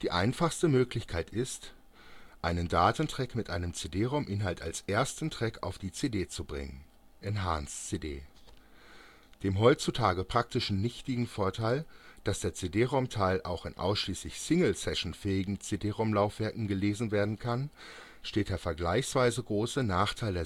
einfachste Möglichkeit ist, einen Datentrack mit dem CD-ROM-Inhalt als ersten Track auf die CD zu bringen (Enhanced CD). Dem heutzutage praktisch nichtigen Vorteil, dass der CD-ROM-Teil auch in ausschließlich singlesession-fähigen CD-ROM-Laufwerken gelesen werden kann, steht der vergleichsweise große Nachteil